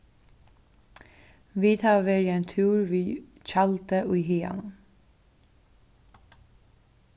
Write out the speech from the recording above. vit hava verið ein túr við tjaldi í haganum